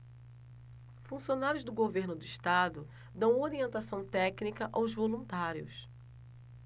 funcionários do governo do estado dão orientação técnica aos voluntários